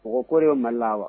Mɔgɔ ko de bɛ ye Mali la wa?